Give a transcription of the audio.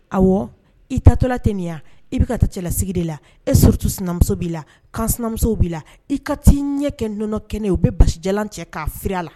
Ɔwɔ i tatɔla tɛ nin yan i bɛ ka taa cɛlasigi de la e sɔrɔ to sinamuso b'i la kan sinamuso b'i la i ka t'i ɲɛ kɛ nɔnɔ kɛnɛ u bɛ basija cɛ k'a fili la